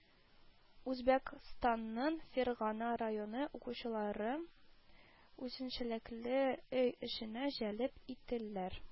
Үзбәкстанның Фергана районы укучыларын үзенчәлекле өй эшенә җәлеп иттеләр